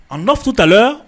An dɔ futataya